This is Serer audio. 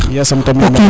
yasam te miñ meen